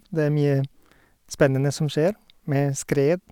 Det er mye spennende som skjer med skred.